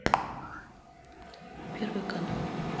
первый первый канал